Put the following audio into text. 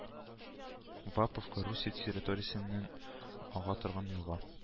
Ваповка Русия территориясеннән ага торган елга